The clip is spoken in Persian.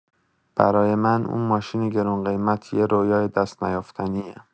برای من اون ماشین گرون‌قیمت یه رویای دست‌نیافتنیه.